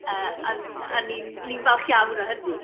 Yy, a a ni'n ni'n falch iawn o hynny.